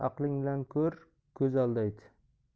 aqling bilan ko'r ko'z aldaydi